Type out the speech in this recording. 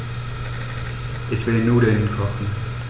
Ich will Nudeln kochen.